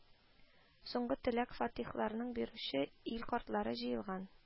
Соңгы теләк-фатихаларын бирүче ил картлары җыелган